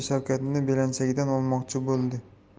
shavkatni belanchakdan olmoqchi bo'ldi